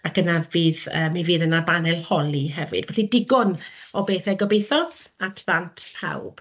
Ac yna fydd yy mi fydd yna banel holi hefyd, felly digon o bethau gobeithio at ddant pawb.